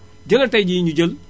jëlal tay jii ñu jël